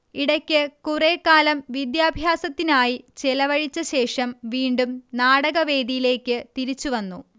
ഇടയ്ക്ക് കുറേക്കാലം വിദ്യാഭ്യാസത്തിനായി ചെലവഴിച്ചശേഷം വീണ്ടും നാടകവേദിയിലേക്ക് തിരിച്ചുവന്നു